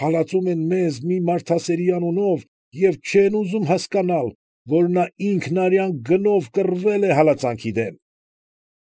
Հալածում են մեզ մի մարդասերի անունով, և չեն ուզում հասկանալ, որ նա ինքն արյան գնով կռվել է հալածանքի դեմ։